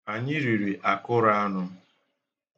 Anyị riri akụrụ anụ.